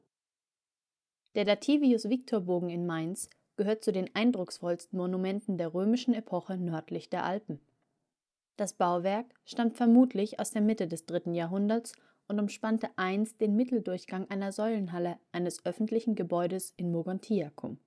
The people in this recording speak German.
Der Dativius-Victor-Bogen in Mainz gehört zu den eindrucksvollsten Monumenten der römischen Epoche nördlich der Alpen. Das Bauwerk stammt vermutlich aus der Mitte des 3. Jahrhunderts und umspannte einst den Mitteldurchgang einer Säulenhalle eines öffentlichen Gebäudes in Mogontiacum